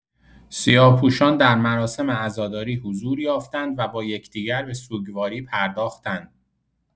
سیاه‌پوشان در مراسم عزاداری حضور یافتند و با یکدیگر به سوگواری پرداختند.